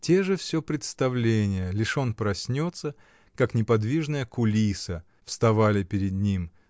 Те же всё представления, лишь он проснется, как неподвижная кулиса, вставали перед ним